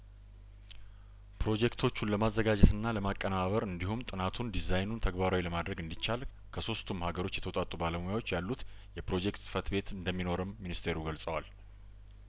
ፕሮጀክቶቹን ለማዘጋጀትና ለማቀነባበር እንዲሁም ጥናቱን ዲዛይኑን ተግባራዊ ለማድረግ እንዲቻል ከሶስቱም ሀገሮች የተውጣጡ ባለሙያዎች ያሉት የፕሮጀክት ጽፈት ቤት እንደሚኖርም ሚኒስቴሩ ገልጸዋል